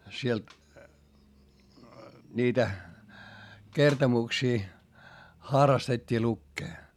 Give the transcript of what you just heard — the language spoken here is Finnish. siellä niitä kertomuksia harrastettiin lukea